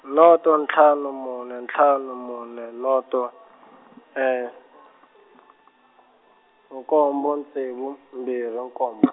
noto ntlhanu mune ntlhanu mune noto , nkombo ntsevu mbirhi nkombo.